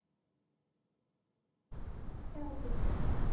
хелпик